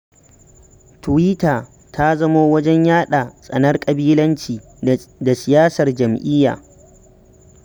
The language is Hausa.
Tuwita ta zamo wajen yaɗa tsanar ƙabilanci da siyasar jam'iyya.